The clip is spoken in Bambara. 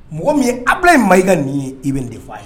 Mɔgɔ min ye a bila in maa ii ka nin ye i bɛ n de f' a ye